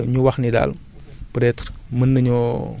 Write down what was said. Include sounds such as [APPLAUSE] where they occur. mais daal njort nañ ne peut être [HESITATION] nawet la